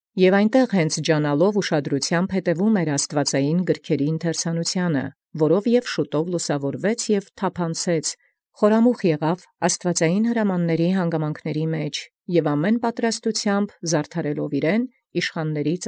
Եւ անդէն ուշ եդեալ փութով ընթերցուածոց աստուածեղէն գրոց, որով առ ժամայն լուսաւորեալ և թևամուխ միջամուխ եղեալ յաստուածատուր հրամանացն հանգամանս, և ամենայն պատրաստութեամբ զանձն զարդարեալ, հարկանէր զիշխանացն։